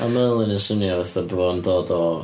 Mae Merlin yn swnio fatha bod o'n dod o..